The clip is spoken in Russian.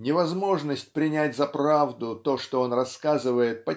невозможность принять за правду то что он рассказывает